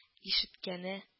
Ишеткәне